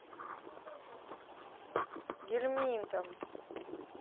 гельминтом